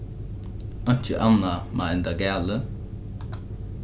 einki annað má enda galið